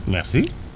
merci